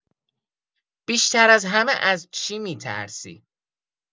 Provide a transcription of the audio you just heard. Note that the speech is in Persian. بیشتر از همه از چی می‌ترسی؟